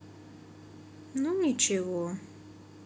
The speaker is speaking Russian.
ну ничего